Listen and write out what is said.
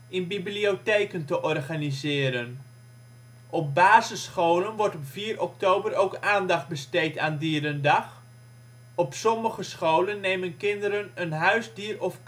in bibliotheken te organiseren. Op basisscholen wordt op 4 oktober ook aandacht besteed aan dierendag. Op sommige scholen nemen kinderen een huisdier of